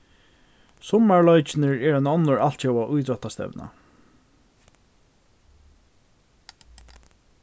summarleikirnir eru ein onnur altjóða ítróttastevna